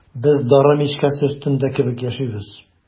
Без дары мичкәсе өстендә кебек яшибез.